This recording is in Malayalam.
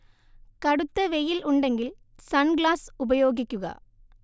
കടുത്ത വെയിൽ ഉണ്ടെങ്കിൽ സൺ ഗ്ലാസ് ഉപയോഗിക്കുക